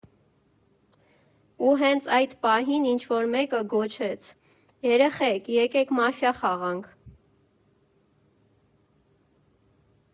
Ու հենց այդ պահին ինչ֊որ մեկը գոչեց՝ «երեխե՜ք, եկեք մաֆիա խաղանք»։